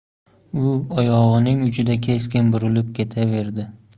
u oyog'ining uchida keskin burilib ketaverdi